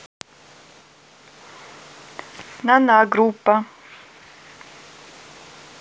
nanna группа